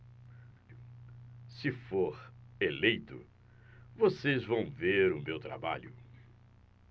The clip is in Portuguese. se for eleito vocês vão ver o meu trabalho